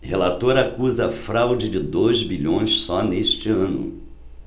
relator acusa fraude de dois bilhões só neste ano